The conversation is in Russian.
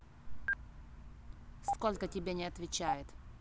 сколько тебе не отвечает